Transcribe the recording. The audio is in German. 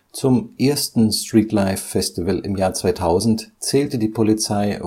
Zum ersten Streetlife Festival im Jahr 2000 zählte die Polizei